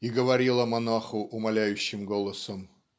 и говорила монаху умоляющим голосом